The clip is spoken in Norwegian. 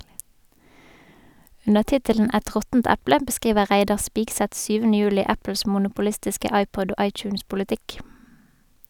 Under tittelen "Et råttent eple" beskriver Reidar Spigseth syvende juli Apples monopolistiske iPod- og iTunes-politikk.